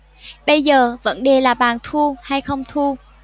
bây giờ vấn đề là bàn thu hay không thu